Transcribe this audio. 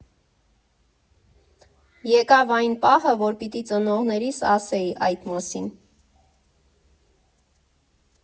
Եկավ այն պահը, որ պիտի ծնողներիս ասեի այդ մասին։